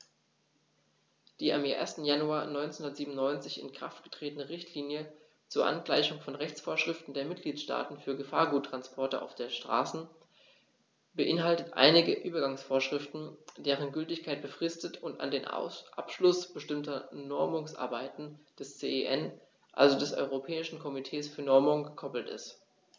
Die am 1. Januar 1997 in Kraft getretene Richtlinie zur Angleichung von Rechtsvorschriften der Mitgliedstaaten für Gefahrguttransporte auf der Straße beinhaltet einige Übergangsvorschriften, deren Gültigkeit befristet und an den Abschluss bestimmter Normungsarbeiten des CEN, also des Europäischen Komitees für Normung, gekoppelt ist.